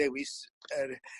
dewis yr